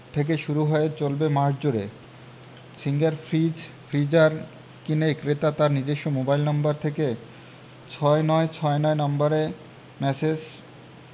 থেকে শুরু হয়ে চলবে মাস জুড়ে সিঙ্গার ফ্রিজ ফ্রিজার কিনে ক্রেতা তার নিজস্ব মোবাইল নম্বর থেকে ৬৯৬৯ নম্বরে ম্যাসেজ